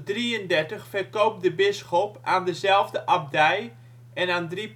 In 1133 verkoopt de bisschop aan dezelfde abdij en aan drie